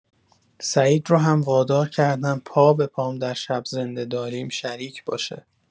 سعید رو هم وادار کردم پا به پام در شب زنده داریم شریک باشه.